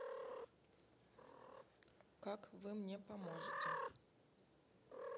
как вы мне поможете